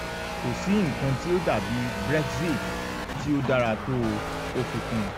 Kòsí nǹkan tí ó dàbí Brexit tí ó dára tó o,’o fi kun.